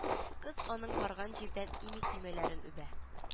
Кыз аның барган җирдән ими төймәләрен үбә